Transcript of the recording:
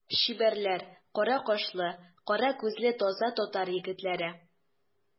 Чибәрләр, кара кашлы, кара күзле таза татар егетләре.